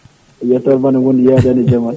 yettode moon gooni yaadani e jamanu